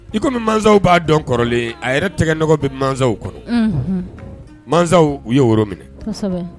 I comme masaw b'a dɔn kɔrɔlen a yɛrɛ tɛgɛ nɔgɔ bɛ masaw kɔnɔ, unhun, masaw u ye woro minɛ, kosɛbɛ.